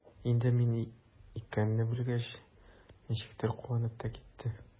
Инде мин икәнне белгәч, ничектер куанып та китте.